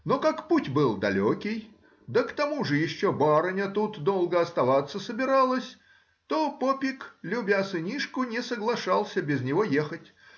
Но как путь был далекий, да к тому же еще барыня тут долго оставаться собиралась, то попик, любя сынишку, не соглашался без него ехать.